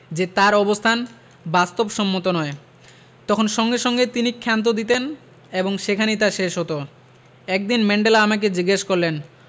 যে তাঁর অবস্থান বাস্তবসম্মত নয় তখন সঙ্গে সঙ্গে তিনি ক্ষান্ত দিতেন এবং সেখানেই তা শেষ হতো একদিন ম্যান্ডেলা আমাকে জিজ্ঞেস করলেন